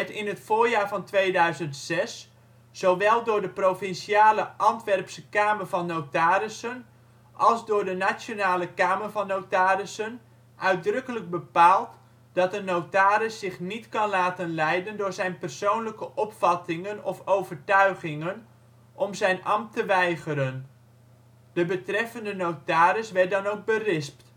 in het voorjaar 2006 zowel door de provinciale Antwerpse Kamer van notarissen als door de nationale kamer van Notarissen uitdrukkelijk bepaald dat een notaris zich niet kan laten leiden door zijn persoonlijke opvattingen of overtuigingen om zijn ambt te weigeren. De betreffende notaris werd dan ook berispt